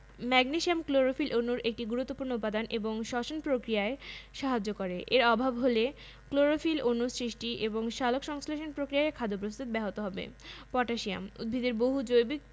macronutrient বা ম্যাক্রোউপাদান এবং মাইক্রোনিউট্রিয়েন্ট বা মাইক্রোউপাদান ১ ম্যাক্রোনিউট্রিয়েন্ট বা ম্যাক্রোউপাদান